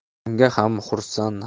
bunga ham xursand